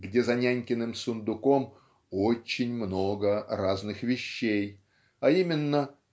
где за нянькиным сундуком "очень много" разных вещей а именно